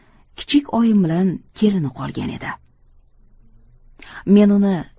kichik oyim bilan kelini qolgan edi